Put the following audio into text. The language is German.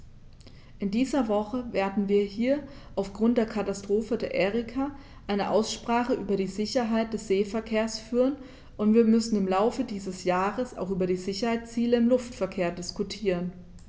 In dieser Woche werden wir hier aufgrund der Katastrophe der Erika eine Aussprache über die Sicherheit des Seeverkehrs führen, und wir müssen im Laufe dieses Jahres auch über die Sicherheitsziele im Luftverkehr diskutieren.